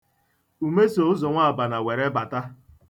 Ume so ụzọnwabana were bata.